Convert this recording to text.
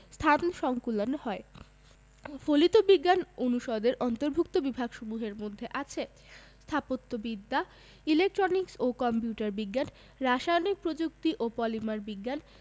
স্থান সংকুলান হয় ফলিত বিজ্ঞান অনুষদের অন্তর্ভুক্ত বিভাগসমূহের মধ্যে আছে স্থাপত্যবিদ্যা ইলেকট্রনিক্স ও কম্পিউটার বিজ্ঞান রাসায়নিক প্রযুক্তি ও পলিমার বিজ্ঞান